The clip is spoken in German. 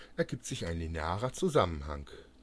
sich ein linearer Zusammenhang. Diese